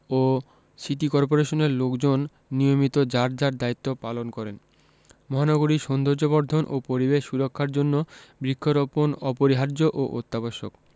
ও city কর্পোরেশনের লোকজন নিয়মিত যার যার দায়িত্ব পালন করেন মহানগরীর সৌন্দর্যবর্ধন ও পরিবেশ সুরক্ষার জন্য বৃক্ষরোপণ অপরিহার্য ও অত্যাবশ্যক